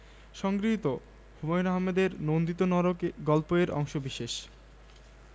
সংগৃহীত হুমায়ুন আহমেদের নন্দিত নরকে গল্প এর অংশবিশেষ